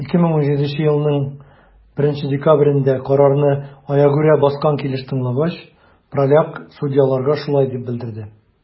2017 елның 1 декабрендә, карарны аягүрә баскан килеш тыңлагач, праляк судьяларга шулай дип белдерде: